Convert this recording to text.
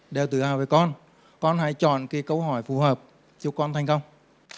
đều tự hào về con con hãy chọn cái câu hỏi phù hợp chúc con thành công